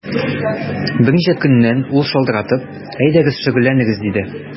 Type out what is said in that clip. Берничә көннән ул шалтыратып: “Әйдәгез, шөгыльләнегез”, диде.